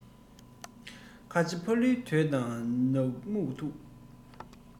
ཁ ཆེ ཕ ལུའི འདོད དང སྣག སྨྱུག ཐུག